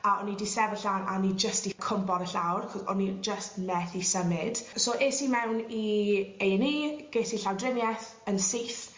a o'n i 'di sefyll lan a o'n i jyst 'di cwmpo ar y llawr achos o'n i jyst methu symud so es i mewn i Ay an' Ee ges i llawdrinieth yn syth